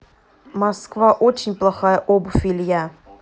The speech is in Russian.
москва очень плохая обувь илья